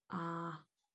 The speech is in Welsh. A